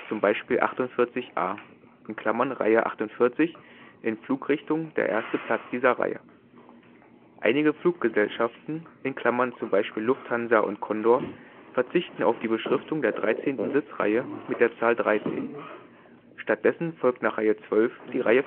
z. B. 48 A (Reihe 48, in Flugrichtung der erste Platz dieser Reihe). Einige Fluggesellschaften (z. B. Lufthansa und Condor) verzichten auf die Beschriftung der 13. Sitzreihe mit der Zahl 13. Stattdessen folgt nach Reihe 12 die Reihe